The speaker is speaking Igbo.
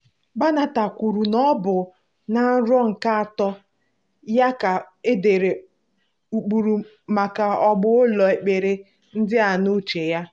Banatah kwuru na ọ bụ na nrọ nke atọ ya ka e dere ụkpụrụ maka ọgba ụlọ ekpere ndị a n'uche ya.